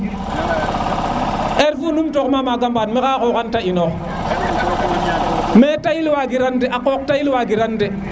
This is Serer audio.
heure fu num toxuma maga mbane ma xoxan te unox mais tayil wagiran de a qooq tayil wagiran de